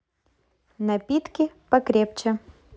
напитки покрепче